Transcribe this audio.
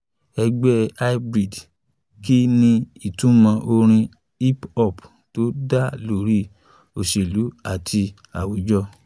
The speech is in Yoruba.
Ẹgbẹ́ High Breed Kí ni ìtumọ̀ orin hip hop tó dá lórí òṣèlú àti àwùjọ?